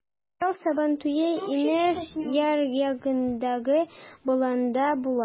Быел Сабантуе инеш аръягындагы болында була.